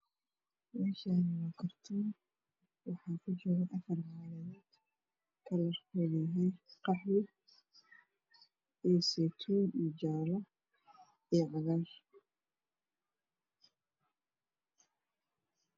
Waa kartoon waxaa kujiro afar bac oo kalarkoodu yahay qaxwi, seytuun, jaale iyo cagaar.